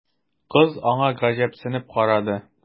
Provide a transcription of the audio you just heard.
Кыз аңа гаҗәпсенеп карады.